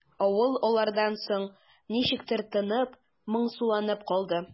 Авыл алардан соң ничектер тынып, моңсуланып калды.